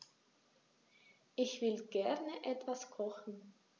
Ich will gerne etwas kochen.